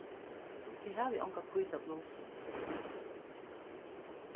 eg havi onga hvíta blusu